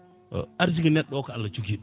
% arsugue neɗɗo o ko Allah jogui ɗum